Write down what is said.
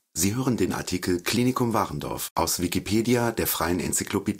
Sie hören den Artikel Klinikum Wahrendorff, aus Wikipedia, der freien Enzyklopädie